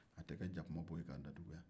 a tɛ kɛ jakumabo ye k'a datugun yan